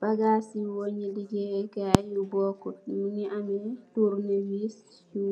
Bagas ci weng you bokut nougui ammeh tornewise you